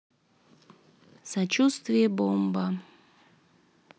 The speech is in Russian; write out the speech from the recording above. самочувствие бомба